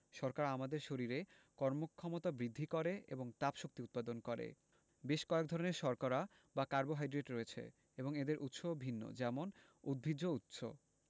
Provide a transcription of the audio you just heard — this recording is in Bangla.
শর্করা আমাদের শরীরে কর্মক্ষমতা বৃদ্ধি করে এবং তাপশক্তি উৎপাদন করে বেশ কয়েক ধরনের শর্করা বা কার্বোহাইড্রেট রয়েছে এবং এদের উৎসও ভিন্ন যেমন উদ্ভিজ্জ উৎস